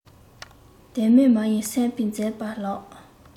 དོན མེད མ ཡིན སེམས དཔའི མཛད པ ལགས